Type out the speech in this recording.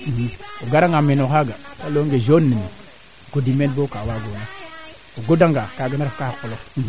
meene aussi num xalatoye wala boog nam ga toye naaga wiin we mbaru mbaago choisir it nee ando naye xa qola xe de mbarna mbaro mbaago nduuf no maalo fee